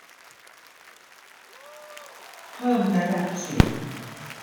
เพิ่มระดับเสียง